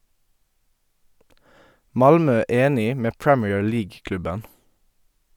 Malmö enig med Premier League-klubben.